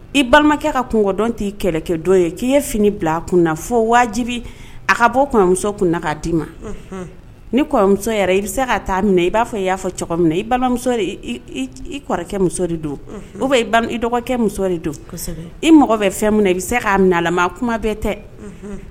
I balimakɛ ka kunkɔdɔn t'i kɛlɛkɛ dɔ ye k'i ye fini bila a kun na fɔ wajibi a ka bɔ kɔmuso kunna na k'a d'i ma ni kɔmuso i bɛ se ka taa minɛ i b'a fɔ i y'a fɔ cogo min na i balimamuso i kɔrɔkɛ muso de don o bɛ i dɔgɔ muso de don i mɔgɔ bɛ fɛn min i bɛ se k' nalama kuma bɛɛ tɛ